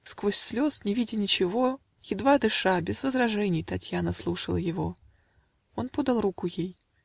Сквозь слез не видя ничего, Едва дыша, без возражений, Татьяна слушала его. Он подал руку ей.